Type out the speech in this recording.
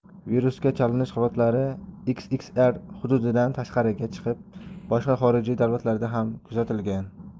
virusga chalinish holatlari xxr hududidan tashqariga chiqib boshqa xorijiy davlatlarda ham kuzatilgan